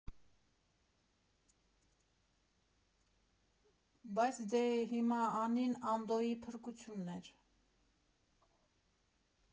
Բայց դե հիմա Անին Անդոյի փրկությունն էր։